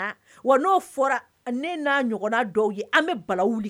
An bɛ